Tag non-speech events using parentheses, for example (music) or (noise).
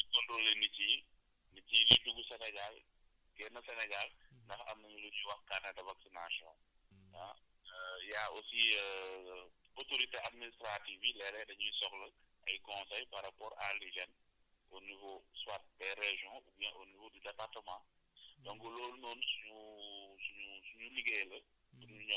parce que suñ contrôlé nit yi nit yi di dugg Sénégal génn Sénégal ndax am nañu lu ñuy wax carnet de vaccination ah (hesitation) y' a aussi (hesitation) autorité administrative yi léeg-léeg dañuy soxla ay conseils par rapport à l' hygène au niveau soit des régions oubien au nivaeu du département donc loolu noonu suñu (hesitation) suñu suñu liggéey la